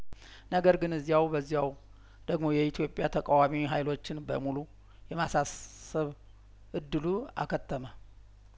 ነገር ግን እዚያው በዚያው ደግሞ የኢትዮጵያ ተቃዋሚ ሀይሎችን በሙሉ የማሳሰብ እድሉ አከተመ